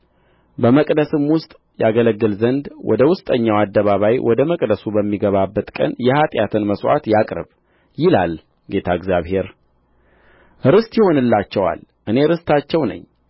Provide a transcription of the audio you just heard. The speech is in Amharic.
በመቅደስም ውስጥ ያገለግል ዘንድ ወደ ውስጠኛው አደባባይ ወደ መቅደሱ በሚገባበት ቀን የኃጢአትን መሥዋዕት ያቅርብ ይላል ጌታ እግዚአብሔር ርስት ይሆንላቸዋል እኔ ርስታቸው ነኝ